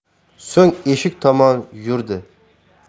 so'ng eshik tomon yurdi